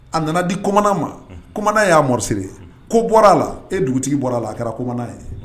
A nana di koman ma ko y'a msirire ye ko bɔra a la e dugutigi bɔra a la a kɛra koman ye